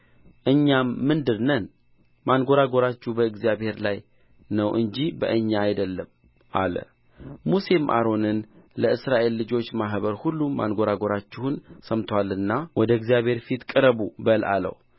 እኛም ምንድር ነን ማንጐራጐራችሁ በእግዚአብሔር ላይ ነው እንጂ በእኛ አይደለም አለ ሙሴም አሮንን ለእስራኤል ልጆች ማኅበር ሁሉ ማንጐራጐራችሁን ሰምቶአልና ወደ እግዚአብሔር ፊት ቅረቡ በል አለው